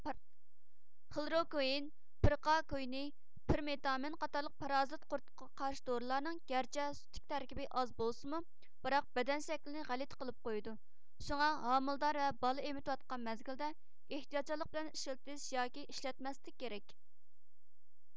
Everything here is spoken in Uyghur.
خلوروكۇئىن پرىقا كۇينى پرىمېتامىن قاتارلىق پارازىت قۇرتقا قارشى دورىلارنىڭ گەرچە سۈتتىكى تەركىبى ئاز بولسىمۇ بىراق بەدەن شەكلىنى غەلىتە قىلىپ قويىدۇ شۇڭا ھامىلىدار ۋە بالا ئېمىتىۋاتقان مەزگىلدە ئېھتىياتچانلىق بىلەن ئىشلىتىلىش ياكى ئىشلەتمەسلىك كېرەك